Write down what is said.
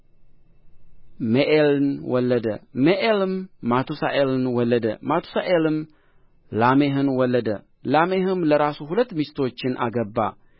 ሜኤልን ወለደ ሜኤልም ማቱሣኤልን ወለደ ማቱሣኤልም ላሜሕን ወለደ ላሜሕም ለራሱ ሁለት ሚስቶችን አገባ